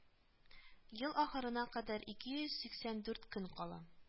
Ел ахырына кадәр ике йөз сиксән дүрт көн кала